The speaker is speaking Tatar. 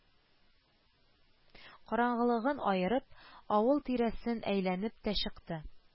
Караңгылыгын ерып, авыл тирәсен әйләнеп тә чыкты